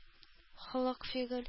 Холык-фигыль